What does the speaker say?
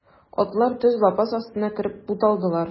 Атлар төз лапас астына кереп буталдылар.